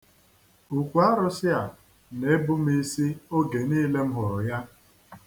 Ukwu arụsị a na-ebu m isi oge niile m hụrụ ya.